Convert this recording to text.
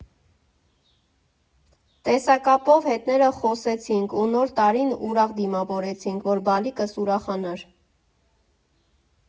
Տեսակապով հետները խոսեցինք ու Նոր տարին ուրախ դիմավորեցինք, որ բալիկս ուրախանար։